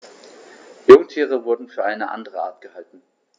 Jungtiere wurden für eine andere Art gehalten.